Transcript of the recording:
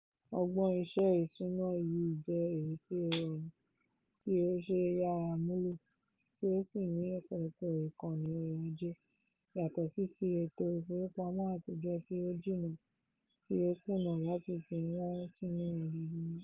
Ọgbọ́n iṣẹ́ ìsúná yìí jẹ́ èyí tí ó rọrùn, tí ó ṣeé yàrá múlò tí ó sì ní ọ̀pọ̀lọpọ̀ ìkànnì ọrọ̀ ajé, yàtọ̀ sí ti ètò ìfowópamọ́ àtijọ́ tí ó 'jìnà' tí ó kùnà láti fi wọ́n sínú agbègbè wọn.